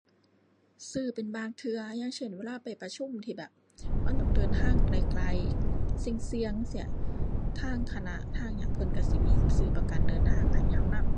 ซื้อเป็นบางเทื่อ อย่างเช่น เวลาไปประชุมที่แบบมันต้องเดินทางไกลไกล เสี่ยงเสี่ยงจั่งซี้ ทางคณะ ทางหยังเพิ่นก็สิมีซื้อประกันเดินทางให้ก็นำ